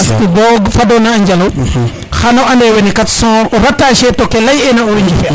parce que bo fadona a Njalo xano ande wene kat sont ratachés to ke ley ena owey njefe an